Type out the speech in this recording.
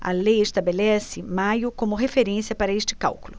a lei estabelece maio como referência para este cálculo